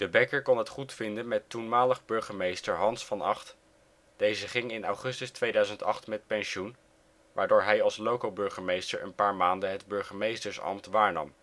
Bekker kon het goed vinden met toenmalig burgemeester Hans van Agt; deze ging in augustus 2008 met pensioen, waardoor hij als locoburgemeester een paar maanden het burgemeestersambt waarnam